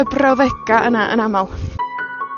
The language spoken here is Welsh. y brawddega' yna yn amal.